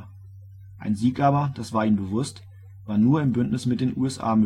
aber, das war ihm bewusst, war nur im Bündnis mit den USA möglich